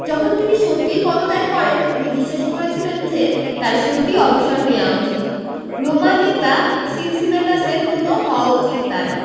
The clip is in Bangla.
যখন তিনি সত্যিই পদত্যাগ করেন তিনি বিশ্বাস করেছিলেন যে তাঁর সত্যিই অবসর নেওয়া উচিত রোমান নেতা সিনসিনাটাসের মতো হওয়া উচিত তাঁর